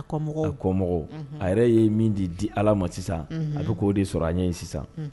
A kɔmɔgɔw, a kɔmɔgɔw, unhun, a yɛrɛ ye min de di Ala ma sisan a bɛ k'o de sɔrɔ a ɲɛ yen sisan, un